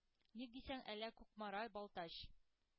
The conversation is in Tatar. Ник дисәң, әле Кукмара, Балтач